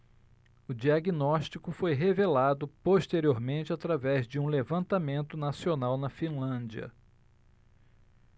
o diagnóstico foi revelado posteriormente através de um levantamento nacional na finlândia